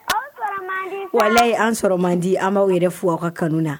Anw wala an sɔrɔ man di an b'aw yɛrɛ f fɔ aw ka kanu na